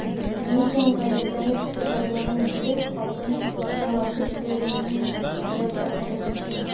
Ленизаның гаҗәпләнеп текәлгәнен күреп, хатын аңлатып бирүне кирәк тапты.